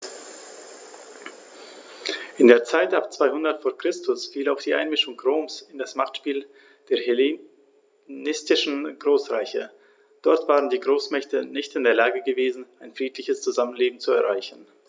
In die Zeit ab 200 v. Chr. fiel auch die Einmischung Roms in das Machtspiel der hellenistischen Großreiche: Dort waren die Großmächte nicht in der Lage gewesen, ein friedliches Zusammenleben zu erreichen.